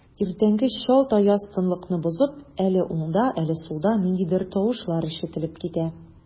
Иртәнге чалт аяз тынлыкны бозып, әле уңда, әле сулда ниндидер тавышлар ишетелеп китә.